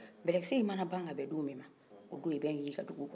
bɛlɛkisɛ mana ban ka bɛn don min m o don i bɛ n ye i ka dygu kɔnɔ